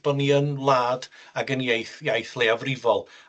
bo' ni yn wlad ag yn ieith iaith leiafrifol.